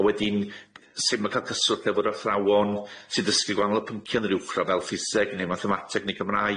Wedyn sut ma' ca'l cyswllt efo'r athrawon sy'n dysgu gwahanol pyncie yn yr uwchradd fel Ffiseg ne' Mathemateg ne' Gymraeg?